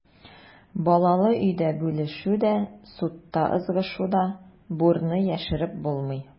Балалы өйдә бүлешү дә, судта ызгышу да, бурны яшереп булмый.